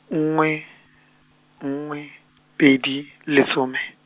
nngwe, nngwe, pedi, lesome.